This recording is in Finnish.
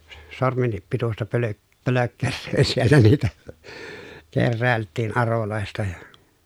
sormenkin pituista - pölkkeröä siellä niitä keräiltiin aroista ja